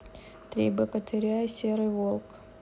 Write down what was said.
три богатыря и серый волк